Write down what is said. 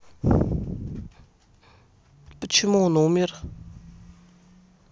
почему он умер